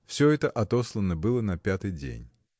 Всё это отослано было на пятый день.